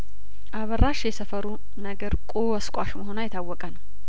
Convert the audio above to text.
አበራሽ የሰፈሩ ነገር ቆስቋሽ መሆኗ የታወቀ ነው